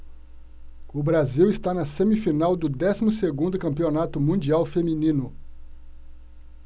o brasil está na semifinal do décimo segundo campeonato mundial feminino